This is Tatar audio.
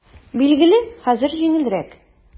Билгеле, хәзер җиңелрәк.